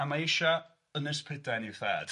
A mae isio Ynys Prydain i'w thad.